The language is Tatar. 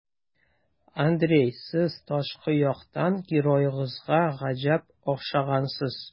Андрей, сез тышкы яктан героегызга гаҗәп охшагансыз.